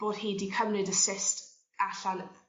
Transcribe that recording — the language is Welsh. bo' hi 'di cymryd y cyst allan